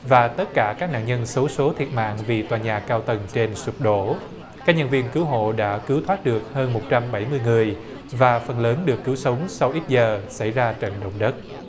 và tất cả các nạn nhân xấu số thiệt mạng vì tòa nhà cao tầng trên sụp đổ các nhân viên cứu hộ đã cứu thoát được hơn một trăm bảy mươi người và phần lớn được cứu sống sau ít giờ xảy ra trận động đất